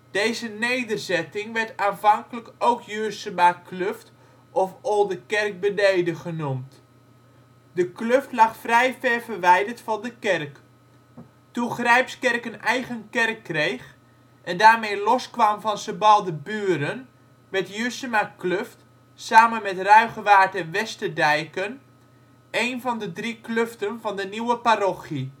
Deze nederzetting werd aanvankelijk ook Juursemakluft of Oldekerk-Beneden genoemd. De kluft lag vrij ver verwijderd van de kerk. Toen Grijpskerk een eigen kerk kreeg, en daarmee los kwam van Sebaldeburen werd Juursemakluft (samen met Ruigewaard en Westerdijken) een van de drie kluften van de nieuwe parochie